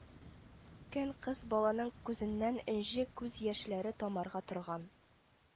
Кән кыз баланың күзеннән энҗе күз яшьләре тамарга торган